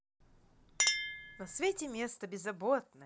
на свете место беззаботное